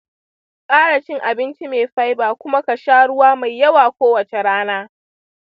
ƙara cin abinci mai fiber kuma ka sha ruwa mai yawa kowace rana.